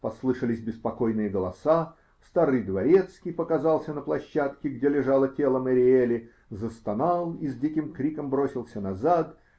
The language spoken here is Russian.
Послышались беспокойные голоса, старый дворецкий показался на площадке, где лежало тело Мэриели, застонал и с диким криком бросился назад.